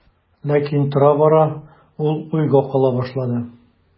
Ләкин тора-бара ул уйга кала башлады.